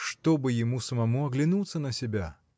что бы ему самому оглянуться на себя!